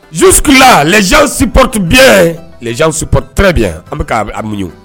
Jusque là les gens supportent bien les gens supportent très bien an' be k'a b a muɲun